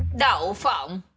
đậu phộng